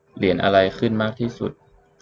เหรียญอะไรขึ้นมากที่สุด